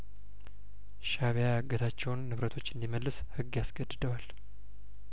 ሻእቢያ ያገታቸውን ንብረቶች እንዲመልስ ህግ ያስገድደዋል